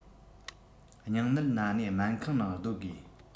སྙིང ནད ན ནས སྨན ཁང ནང སྡོད དགོས